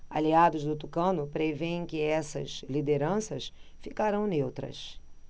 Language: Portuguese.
aliados do tucano prevêem que essas lideranças ficarão neutras